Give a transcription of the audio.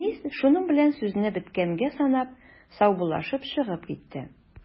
Рәнис, шуның белән сүзне беткәнгә санап, саубуллашып чыгып китте.